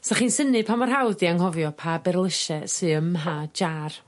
'Sach chi'n synnu pa mor hawdd 'di anghofio pa berlysie sy ym mha jar.